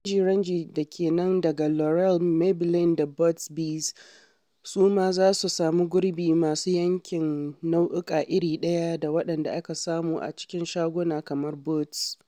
Ranji-ranji da ke nan daga L'Oreal, Maybelline da Burt's Bees su ma za su sami gurbi masu yankin nau’uka iri ɗaya da waɗanda ake samu a cikin shaguna kamar Boots.